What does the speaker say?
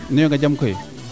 nu yunga jam koy